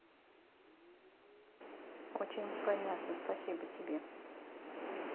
очень понятно спасибо тебе